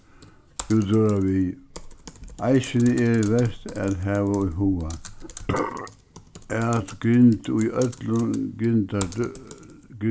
útróðrar við eisini er vert at hava í huga at grind í øllum